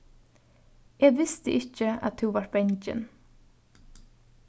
eg visti ikki at tú vart bangin